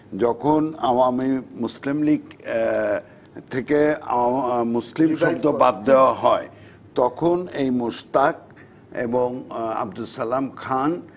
যখন আওয়ামী মুসলিম লীগ থেকে মুসলিম শব্দ বাদ দেওয়া হয় তখন এই মুস্তাক এবং আব্দুস সালাম খান